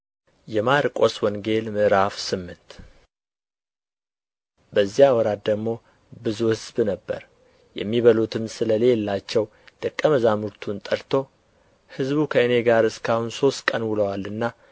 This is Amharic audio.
የማርቆስ ወንጌል ምዕራፍ ስምንት በዚያ ወራት ደግሞ ብዙ ሕዝብ ነበረ የሚበሉትም ስለሌላቸው ደቀ መዛሙርቱን ጠርቶ ሕዝቡ ከእኔ ጋር እስካሁን ሦስት ቀን ውለዋልና